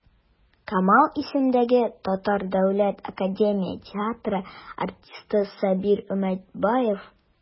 Камал исемендәге Татар дәүләт академия театры артисты Сабир Өметбаев.